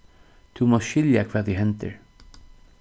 tú mást skilja hvat ið hendir